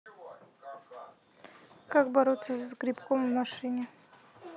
как бороться с грибком в машине